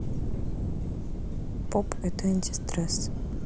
поп это антистресс